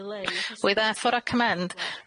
We therefore recommend